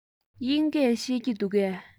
དབྱིན སྐད ཤེས ཀྱི འདུག གས